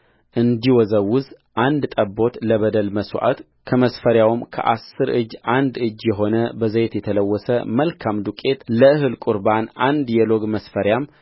እንዲወዘወዝ አንድ ጠቦት ለበደል መሥዋዕት ከመስፈሪያውም ከአሥር እጅ አንድ እጅ የሆነ በዘይት የተለወሰ መልካም ዱቄት ለእህል ቍርባን አንድ የሎግ መስፈሪያም